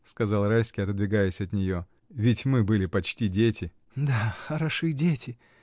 — сказал Райский, отодвигаясь от нее, — ведь мы были почти дети. — Да, хороши дети!